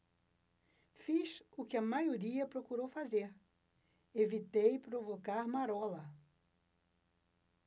fiz o que a maioria procurou fazer evitei provocar marola